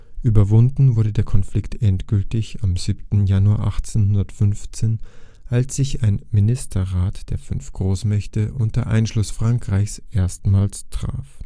Überwunden wurde der Konflikt endgültig am 7. Januar 1815, als sich ein Ministerrat der fünf Großmächte unter Einschluss Frankreichs erstmals traf